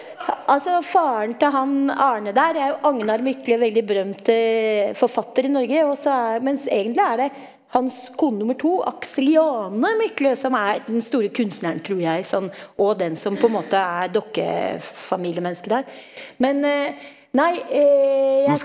altså faren til han Arne der er jo Agnar Mykle, veldig berømt forfatter i Norge, også er mens egentlig er det hans kone nummer to, Axeliane Mykle som er den store kunstneren tror jeg, sånn og den som på en måte er dokke familiemenneske der men nei jeg.